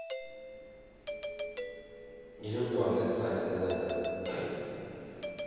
не люблю анет сай нилетто